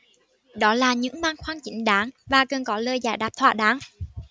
đó là những băn khoăn chính đáng và cần có lời giải đáp thỏa đáng